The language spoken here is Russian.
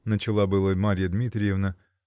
-- начала было Марья Дмитриевна.